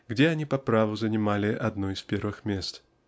где они по праву занимали одно из первых мест.